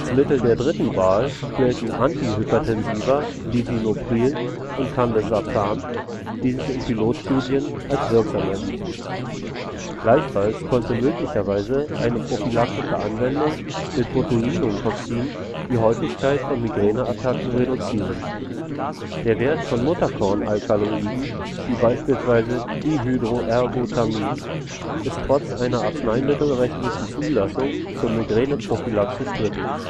Mittel der dritten Wahl gelten die Antihypertensiva Lisinopril und Candesartan, die sich in Pilotstudien als wirksam erwiesen. Gleichfalls kann möglicherweise eine prophylaktische Anwendung mit Botulinumtoxin die Häufigkeit von Migräneattacken reduzieren. Der Wert von Mutterkornalkaloiden, wie beispielsweise Dihydroergotamin, ist trotz einer arzneimittelrechtlichen Zulassung zur Migräneprophylaxe strittig